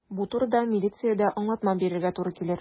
Бу турыда милициядә аңлатма бирергә туры килер.